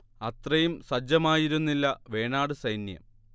അത്രയും സജ്ജമായിരുന്നില്ല വേണാട് സൈന്യം